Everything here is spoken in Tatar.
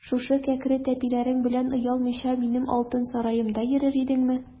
Шушы кәкре тәпиләрең белән оялмыйча минем алтын сараемда йөрер идеңме?